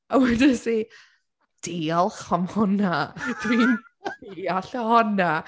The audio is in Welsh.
A wedais i "Diolch am honna, dwi’n deall honna."